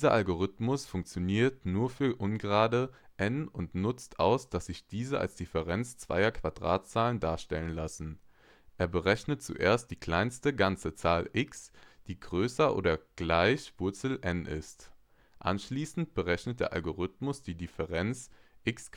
Algorithmus funktioniert nur für ungerade n {\ displaystyle n} und nutzt aus, dass sich diese als Differenzen zweier Quadratzahlen darstellen lassen. Er berechnet zuerst die kleinste ganze Zahl x {\ displaystyle x}, die größer oder gleich n {\ displaystyle {\ sqrt {n}}} ist. Anschließend berechnet der Algorithmus die Differenzen x 2 − n {\ displaystyle x^ {2} - n}, (x + 1) 2 − n {\ displaystyle (x+1) ^ {2} - n}, (x + 2) 2 − n {\ displaystyle (x+2) ^ {2} - n}...